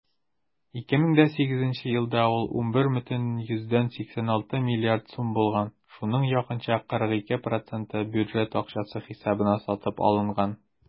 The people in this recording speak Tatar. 2008 елда ул 11,86 млрд. сум булган, шуның якынча 42 % бюджет акчасы хисабына сатып алынган.